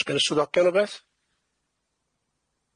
S'gen y swyddogion wbeth?